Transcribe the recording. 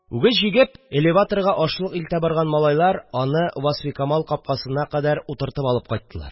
Үгез җигеп элеваторга ашлык илтә барган малайлар аны Васфикамал капкасына кадәр утыртып алып кайттылар